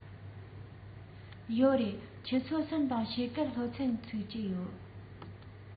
ཡོད རེད ཆུ ཚོད གསུམ དང ཕྱེད ཀར སློབ ཚན ཚུགས ཀྱི རེད